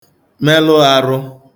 melụ ārụ̄